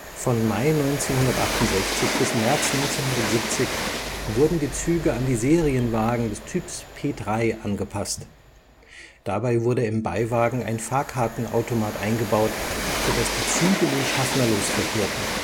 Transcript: Von Mai 1968 bis März 1970 wurden die Zügen an die Serienwagen des Typs P 3 angepasst. Dabei wurde im Beiwagen ein Fahrkartenautomat eingebaut, sodass die Züge nun schaffnerlos verkehrten